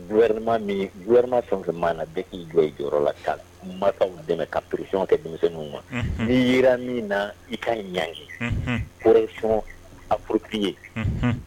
Uma fɛn maa bɛ' jɔ i jɔyɔrɔ la ka marifaw dɛmɛ ka puryɔn kɛ denmisɛnnin ma nii jira min na i ka ɲ ye presɔn a furupi ye